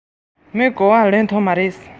ཞེས ལན བརྒྱར ལབ ཀྱང